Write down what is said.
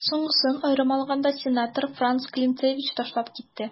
Соңгысын, аерым алганда, сенатор Франц Клинцевич ташлап китте.